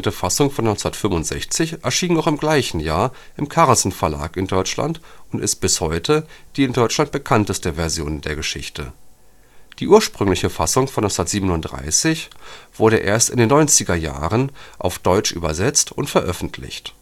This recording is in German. Fassung von 1965 erschien noch im gleichen Jahr im Carlsen Verlag in Deutschland und ist bis heute die in Deutschland bekannteste Version der Geschichte. Die ursprüngliche Fassung von 1937 wurde erst in den 1990er Jahren auf deutsch übersetzt und veröffentlicht